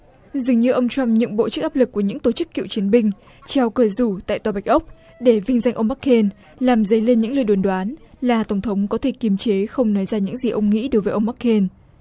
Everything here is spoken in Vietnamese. dường như ông trăm nhượng bộ trước áp lực của những tổ chức cựu chiến binh treo cờ rủ tại tòa bạch ốc để vinh danh ông mắc kên làm dấy lên những lời đồn đoán là tổng thống có thể kiềm chế không nói ra những gì ông nghĩ đối với ông mắc kên